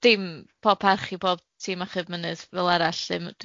dim, pob parch i bob tîm achub mynydd fel arall, lly